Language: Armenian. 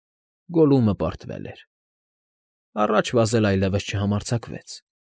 Գոլլումը պարտվել էր։ Առաջ վազել այլևս չհամարձակվեց։